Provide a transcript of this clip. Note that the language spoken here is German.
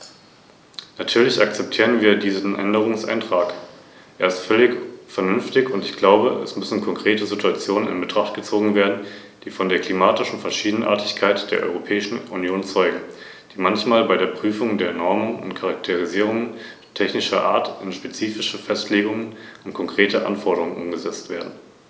Damit wird man den Rufen nach mehr Transparenz bei der Verwendung der Gelder gerecht, und der Versuchung, das lokale Steueraufkommen in Gebieten, in denen entsprechende Projekte durchgeführt werden, unnötig über längere Zeit zu belasten, wird erfolgreich entgegengewirkt. Zudem macht das Parlament damit deutlich, wie ernst es den Ruf nach derartigen Reformen nimmt.